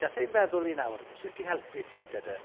Daeth e i'n feddwl i nawr sut i helpu ti 'da dy...